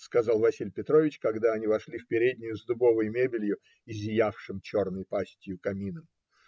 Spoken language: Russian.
сказал Василий Петрович, когда они вошли в переднюю с дубовой мебелью и зиявшим черною пастью камином.